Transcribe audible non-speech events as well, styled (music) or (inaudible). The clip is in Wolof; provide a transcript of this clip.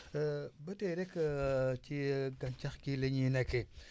(hesitation) ba tey rek (hesitation) ci gàncax gi la ñuy nekkee